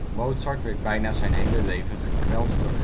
Mozart werd bijna zijn hele leven gekweld door